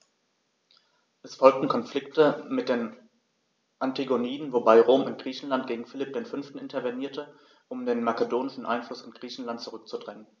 Es folgten Konflikte mit den Antigoniden, wobei Rom in Griechenland gegen Philipp V. intervenierte, um den makedonischen Einfluss in Griechenland zurückzudrängen.